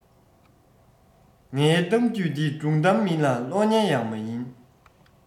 ངའི གཏམ རྒྱུད འདི སྒྲུང གཏམ མིན ལ གློག བརྙན ཡང མ ཡིན